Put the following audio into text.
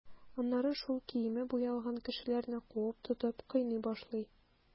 Аннары шул киеме буялган кешеләрне куып тотып, кыйный башлый.